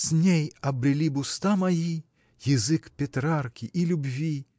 С ней обрели б уста мои Язык Петрарки и любви.